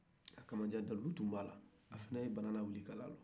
kamajan dililu tun b'a la a fana ye bana lawili k'a lajɔ